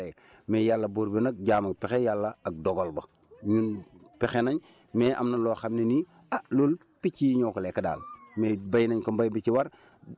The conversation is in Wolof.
biñ ñu joxee tool ñu toppatoo ko ci ni mu waree mais yàlla buur bi nag jaam ak pexe yàlla ak dogal ba ñun pexe nañ mais am na loo xam ne ni ah loolu picc yi ñoo ko lekk daal